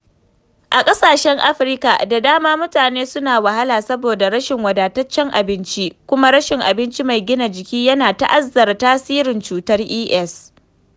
A ƙasashen Afirka da dama mutane suna wahala saboda rashin wadataccen abinci kuma rashin abinci mai gina jiki yana ta'azzara tasirin cutar Es.